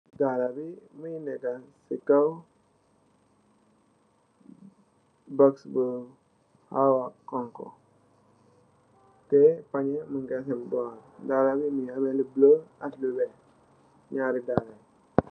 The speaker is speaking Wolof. Daalar bii mungy neka cii kaw box bu hawa khonhu, teh pahnjeh mung gaii sen bohrre, daalah bii mungy ameh lu bleu ak lu wekh, njaari darlah yii.